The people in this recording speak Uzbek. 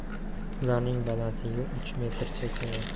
ularning balandligi uch metrcha keladi